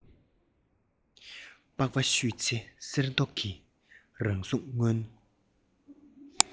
པགས པ བཤུས ཚེ གསེར མདོག གི རང གཟུགས མངོན